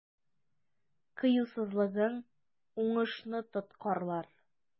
Кыюсызлыгың уңышны тоткарлар.